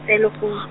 sele founu.